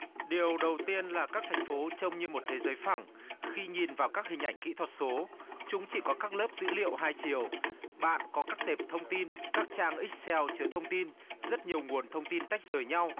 điều đầu tiên là các thành phố trông như một thế giới phẳng khi nhìn vào các hình ảnh kỹ thuật số chúng chỉ có các lớp dữ liệu hai chiều bạn có các tệp thông tin các trang ếch xeo chứa thông tin rất nhiều nguồn thông tin tách rời nhau